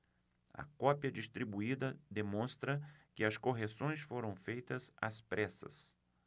a cópia distribuída demonstra que as correções foram feitas às pressas